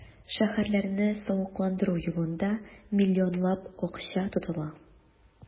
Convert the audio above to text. Шәһәрләрне савыкландыру юлында миллионлап акча тотыла.